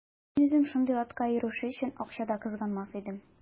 Мин үзем шундый атка ирешү өчен акча да кызганмас идем.